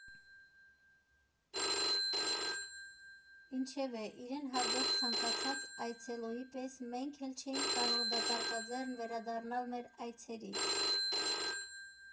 Ինչևէ, իրեն հարգող ցանկացած այցելուի պես մենք էլ չէինք կարող դատարկաձեռն վերադառնալ մեր այցերից։